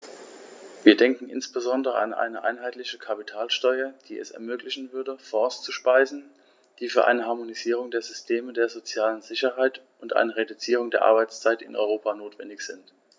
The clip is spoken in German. Wir denken insbesondere an eine einheitliche Kapitalsteuer, die es ermöglichen würde, Fonds zu speisen, die für eine Harmonisierung der Systeme der sozialen Sicherheit und eine Reduzierung der Arbeitszeit in Europa notwendig sind.